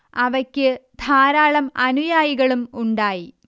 അവയ്ക്ക് ധാരാളം അനുയായികളും ഉണ്ടായി